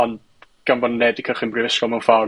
Ond gan bo' neb 'di cychwyn brifysgol, mewn ffor'...